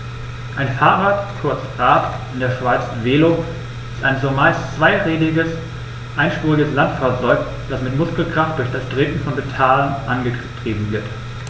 Ein Fahrrad, kurz Rad, in der Schweiz Velo, ist ein zumeist zweirädriges einspuriges Landfahrzeug, das mit Muskelkraft durch das Treten von Pedalen angetrieben wird.